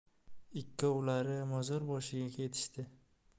ikkovlari mozor boshiga ketishdi